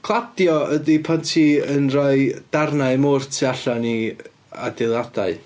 Cladio ydy pan ti yn rhoi darnau mawr tu allan i adeiladau.